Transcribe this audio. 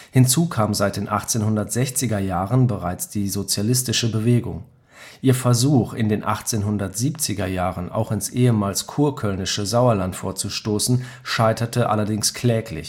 Hinzu kam seit den 1860er Jahren bereits die sozialistische Bewegung. Ihr Versuch in den 1870er Jahren, auch ins ehemals kurkölnische Sauerland vorzustoßen, scheiterte allerdings kläglich